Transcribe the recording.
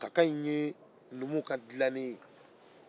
kaka ye numuw ka dilalen ye